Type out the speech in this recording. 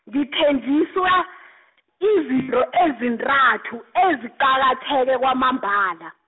ngithenjiswe , izinto ezintathu eziqakatheke kwamambala.